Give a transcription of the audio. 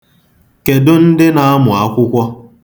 Kedụ ndị na-amụ akwụkwọ?